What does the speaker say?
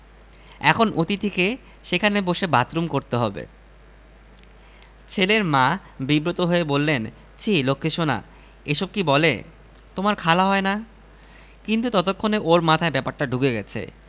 এখন অতিথিকে সেখানে বসে বাথরুম করতে হবে ছেলের মা বিব্রত হয়ে বললেন ছিঃ লক্ষীসোনা এসব কি বলে তোমার খালা হয় না কিন্তু ততক্ষণে ওর মাথায় ব্যাপারটা ঢুকে গেছে